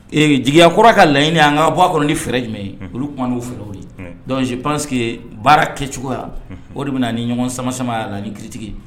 Ee jigiya kɔrɔ ka laɲini an ka bɔ kɔnɔ ni fɛrɛɛrɛ jumɛn ye olu' fɛ dɔnkilisi pansi baara kɛcogoya o de bɛna na ni ɲɔgɔn san samamaya ani ni kitigi